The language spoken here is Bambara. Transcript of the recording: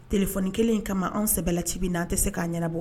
Téléphone 1 in kama anw sɛbɛla ci be na an' tɛ se k'a ɲɛnabɔ